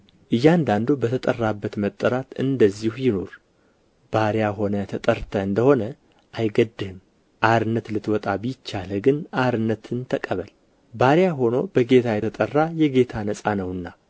እያንዳንዱ በተጠራበት መጠራት እንደዚሁ ይኑር ባሪያ ሆነህ ተጠርተህ እንደ ሆነ አይገድህም አርነት ልትወጣ ቢቻልህ ግን አርነትን ተቀበል ባሪያ ሆኖ በጌታ የተጠራ የጌታ ነጻ ነውና